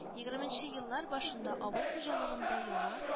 Егерменче еллар башында авыл ху алыгында яңа